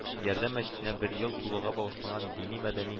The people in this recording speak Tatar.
“ярдәм” мәчетенә бер ел тулуга багышланган дини-мәдәни